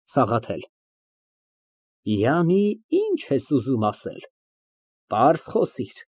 ՍԱՂԱԹԵԼ ֊ Յանի, ի՞նչ ես ուզում ասել, պարզ խոսիր։